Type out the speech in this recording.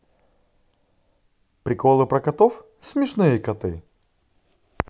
приколы про котов смешные коты